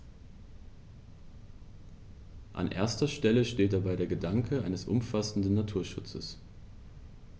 An erster Stelle steht dabei der Gedanke eines umfassenden Naturschutzes.